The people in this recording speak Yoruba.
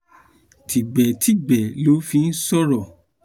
”Tígbetigbe ló fi sọ̀rọ̀”?